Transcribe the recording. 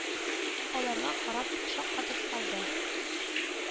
Аларга карап шаккатып калды.